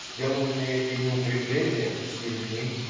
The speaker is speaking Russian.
Сделанные ими укрепления - сильны.